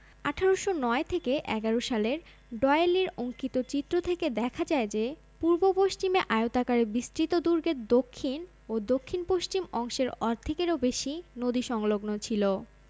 ১৮০৯ থেকে ১১ সালের ডয়েলীর অঙ্কিত চিত্র থেকে দেখা যায় যে পূর্ব পশ্চিমে আয়তাকারে বিস্তৃত দুর্গের দক্ষিণ ও দক্ষিণপশ্চিম অংশের অর্ধেকেরও বেশি নদী সংলগ্ন ছিল'